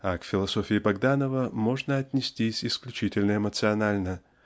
а к философии Богданова можно отнестись исключительно эмоционально